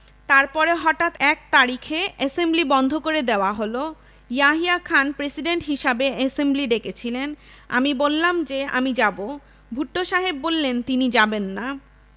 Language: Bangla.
তারপরে হঠাৎ ১ তারিখে এসেম্বলি বন্ধ করে দেওয়া হলো ইয়াহিয়া খান প্রেসিডেন্ট হিসাবে এসেম্বলি ডেকেছিলেন আমি বললাম যে আমি যাব ভূট্টো সাহেব বললেন তিনি যাবেন না